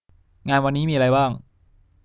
งานวันนี้มีอะไรบ้าง